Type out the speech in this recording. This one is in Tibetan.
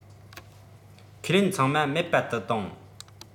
ཁས ལེན ཚང མ མེད པ དུ བཏང